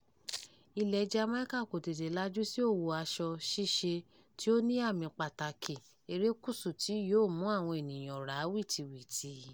Ilẹ̀ Jamaica kò tètè lajú sí òwò aṣọ ṣíṣe tí ó ní ààmì pàtàkì erékùṣù tí yóò mú àwọn ènìyàn rà á wìtìwìtì.